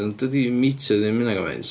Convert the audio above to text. Ond dydi metre ddim hynna faint.